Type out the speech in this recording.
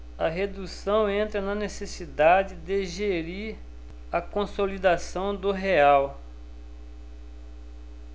a redução entra na necessidade de gerir a consolidação do real